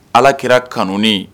Alakira kanunni